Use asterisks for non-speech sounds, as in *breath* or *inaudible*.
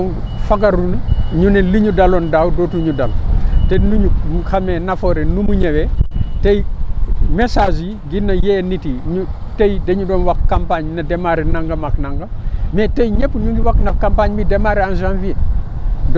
ku nekk fagaru ñu ne li ñu daloon daaw dootuñu dal *noise* te nu ñu xamee Nafoore ni mu ñëwee tey messages yi dina yee nit yi ñu tey dañu doon wax campagne na démarré nangam ak nangam *breath* mais tey ñëpp ñu ngi wax na campagne bi démarré en janvier